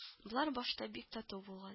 Болар башта бик тату булган